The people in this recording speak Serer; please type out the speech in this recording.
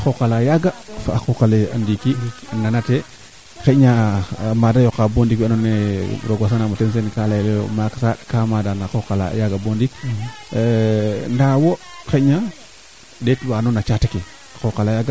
keene yo kaa i ŋondat maak we ndiiki o ndeɓanongo xu fi na neeke a waand ka xalis xalis fee yaqu saax le kaa i mbug xaalis i mbida te xam xam to xam xam ten refu fop avant dara o saqa nga xam xam boo moof fo ten koy naaga xam xalis a sombiit kang sax